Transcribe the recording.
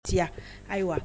Tiɲɛ ayiwa